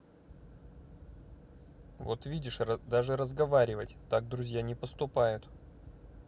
вот видишь даже разговаривать так друзья не поступают